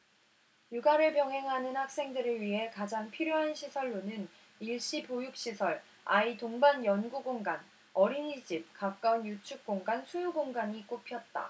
육아를 병행하는 학생들을 위해 가장 필요한 시설로는 일시 보육시설 아이 동반 연구 공간 어린이집 가까운 유축공간 수유공간이 꼽혔다